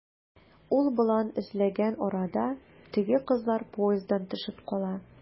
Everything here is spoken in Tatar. Ул болан эзләгән арада, теге кызлар поезддан төшеп кала.